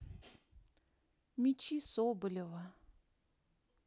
мячи соболева